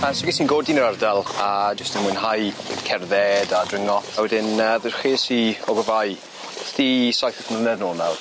A so ges i'n godi yn yr ardal a jyst yn mwynhau cerdded a dringo a wedyn yy ddrechreues i ogofáu 'lly saith wyth mlynedd nôl nawr.